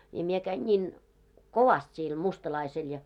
ja minä kävin niin kovasti sille mustalaiselle ja